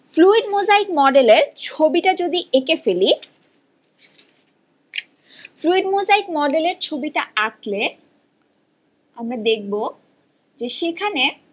fluid mosaic model এর ছবিটা যদি এঁকে ফেলি ফ্লুইড মোজাইক মডেল এর ছবিটা আঁকলে আমরা দেখব যে সেখানে